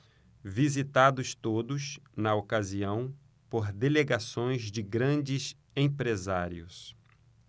visitados todos na ocasião por delegações de grandes empresários